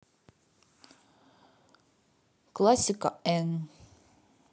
классика н